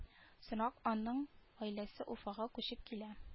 Соңрак аның гаиләсе уфага күчеп килә